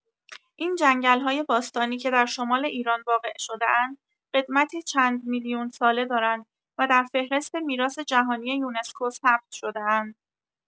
این جنگل‌های باستانی که در شمال ایران واقع شده‌اند، قدمتی چند میلیون ساله دارند و در فهرست میراث جهانی یونسکو ثبت شده‌اند.